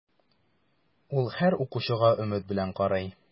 Ул һәр укучыга өмет белән карый.